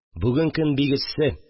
Бүген көн бик эсс